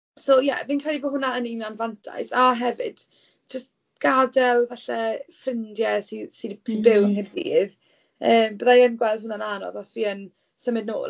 So ie, fi yn credu bod hwnna'n un anfantais. A hefyd jyst gadael, fel, falle ffrindiau sy sy 'di... sy'n byw yng Nghaerdydd. Yym bydda i yn gweld hwnna'n anodd os fi yn symud nôl.